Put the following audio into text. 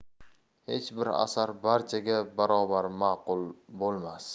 hech bir asar barchaga barobar ma'qul bo'lmas